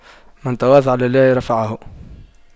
من تواضع لله رفعه